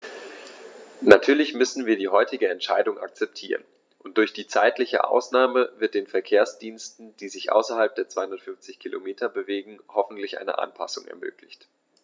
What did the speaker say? Natürlich müssen wir die heutige Entscheidung akzeptieren, und durch die zeitliche Ausnahme wird den Verkehrsdiensten, die sich außerhalb der 250 Kilometer bewegen, hoffentlich eine Anpassung ermöglicht.